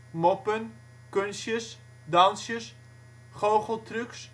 moppen, kunstjes, dansjes, goocheltrucs